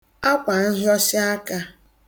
akwànhịọshịakā